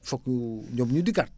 foog ñu ñoom ñu dikkaat